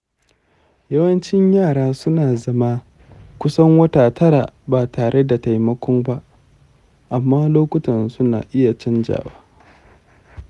yawancin yara suna zama kusan wata tara ba tareda taimako ba, amma lokutan suna iya canzawa